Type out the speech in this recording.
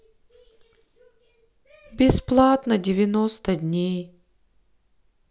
бесплатно девяносто дней